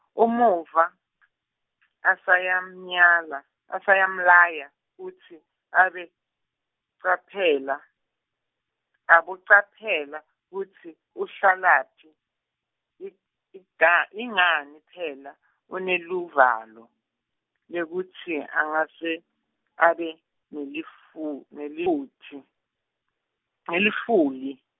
Umuva , asayamnyala-, asayamlaya-, kutsi, abe caphela, abe caphela, kutsi uhlalaphi, i- iga- ingani, phela, uneluvalo, lekutsi, angase, abe, nelifu, neliwutsi-, nelitfuli-.